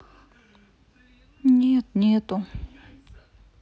нет нету